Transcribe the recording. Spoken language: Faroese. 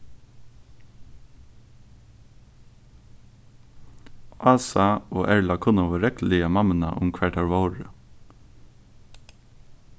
ása og erla kunnaðu regluliga mammuna um hvar tær vóru